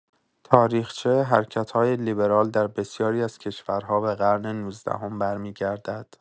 تاریخچه حرکت‌های لیبرال در بسیاری از کشورها به قرن نوزدهم برمی‌گردد.